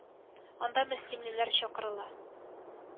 Анда мөслимлеләр чакырыла